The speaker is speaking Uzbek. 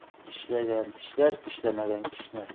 ishlagan tishlar ishlamagan kishnar